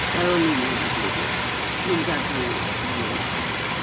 Fel o'n i mwyaf gwirion, mynd a drywydd un llais.